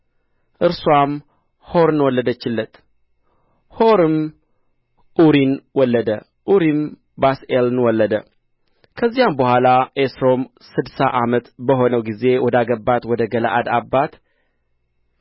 እርስዋም ሆርን ወለደችለት ሆርም ኡሪን ወለደ ኡሪም ባስልኤልን ወለደ ከዚያም በኋላ ኤስሮም ስድሳ ዓመት በሆነው ጊዜ ወዳገባት ወደ ገለዓድ አባት